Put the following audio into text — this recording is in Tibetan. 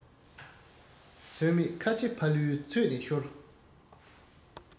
ཚོད མེད ཁ ཆེ ཕ ལུའི ཚོད ནས ཤོར